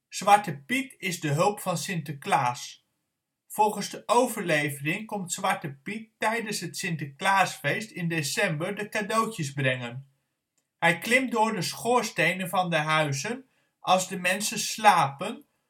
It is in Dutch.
Zwarte Piet is de hulp van Sinterklaas. Volgens de overlevering komt Zwarte Piet tijdens het sinterklaasfeest in december de cadeautjes brengen. Hij klimt door de schoorstenen van de huizen als de mensen slapen